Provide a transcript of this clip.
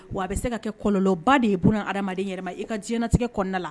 Wa a bɛ se ka kɛ kɔlɔlɔba de ye b adamadamaden yɛlɛma ma i ka diɲɛɲɛnatigɛ kɔnɔna la